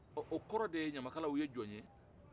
ɔ o kɔrɔ de ye ɲamakala ye jɔn ye